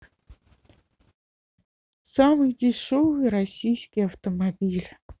самый дешевый российский автомобиль